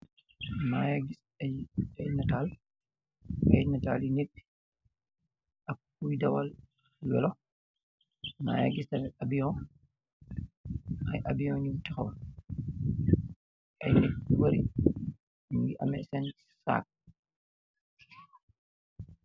Mange gis ay netal, ay netalu nit ak kuy dawal welo, mange gis tamit abiyon, ay abiyon ñu ngi texaw, ay net yu bari nyi ngi ame seen saak